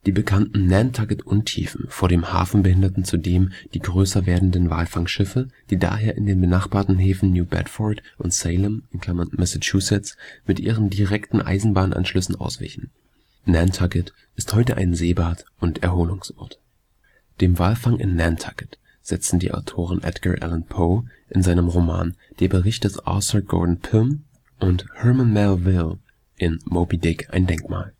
bekannten „ Nantucket-Untiefen “vor dem Hafen behinderten zudem die größer werdenden Walfangschiffe, die daher in die benachbarten Häfen New Bedford und Salem (Massachusetts) mit ihren direkten Eisenbahn-Anschlüssen auswichen. Nantucket ist heute ein Seebad und Erholungsort. Dem Walfang in Nantucket setzten die Autoren Edgar Allan Poe in seinem Roman Der Bericht des Arthur Gordon Pym und Herman Melville in Moby-Dick ein Denkmal